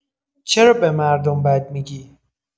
چرا به مردم بد می‌گی؟